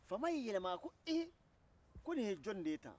faama y'i yɛlema a ko ee ko nin ye jɔnni de ye tan